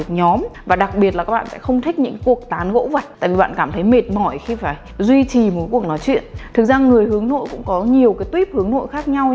và đặc biệt là các bạn sẽ không thích các cuộc tán gẫu vặt tại vì bạn cảm thấy mệt mỏi khi phải duy trì một cuộc nói chuyện thực ra người hướng nội cũng có nhiều tuýp hướng nội khác nhau nhá